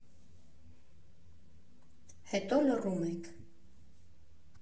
Հետո լռում ենք։